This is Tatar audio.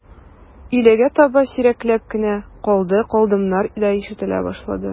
Өйләгә таба сирәкләп кенә «калды», «калдым»нар да ишетелә башлады.